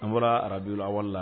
San bɔra arabudu la wari la